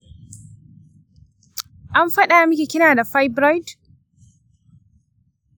an fada miki kina da fibroids?